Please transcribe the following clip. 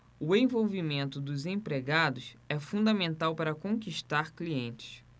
o envolvimento dos empregados é fundamental para conquistar clientes